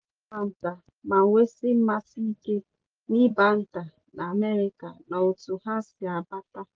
Nna m bụ ọgba nta ma nwesie mmasị ike n'igba nta na Amerịka na otú ha si agbata.